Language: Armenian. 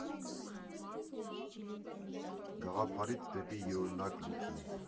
Գաղափարից դեպի յուրօրինակ լուծում։